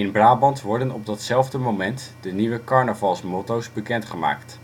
Brabant worden op datzelfde moment de nieuwe carnavalsmotto 's bekend gemaakt